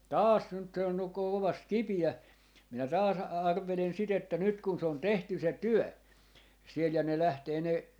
taas nyt se on ukko kovasti kipeä minä taas - arvelen sitä että nyt kun se on tehty se työ siellä ja ne lähtee ne